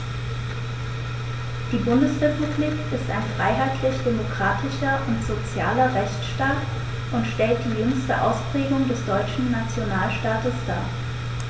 Die Bundesrepublik ist ein freiheitlich-demokratischer und sozialer Rechtsstaat und stellt die jüngste Ausprägung des deutschen Nationalstaates dar.